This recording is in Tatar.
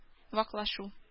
Ваклашу